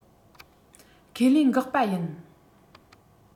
ཁས ལེན འགག པ ཡིན